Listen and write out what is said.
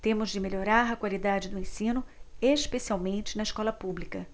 temos de melhorar a qualidade do ensino especialmente na escola pública